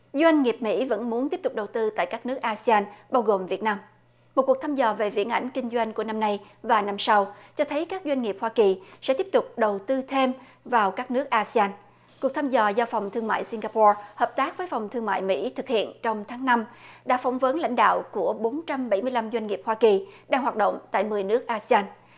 doanh nghiệp mỹ vẫn muốn tiếp tục đầu tư tại các nước a si an bao gồm việt nam một cuộc thăm dò về viễn ảnh kinh doanh của năm nay và năm sau cho thấy các doanh nghiệp hoa kỳ sẽ tiếp tục đầu tư thêm vào các nước a si an cuộc thăm dò do phòng thương mại sing ga po hợp tác với phòng thương mại mỹ thực hiện trong tháng năm đã phỏng vấn lãnh đạo của bốn trăm bảy mươi lăm doanh nghiệp hoa kỳ đang hoạt động tại mười nước a si an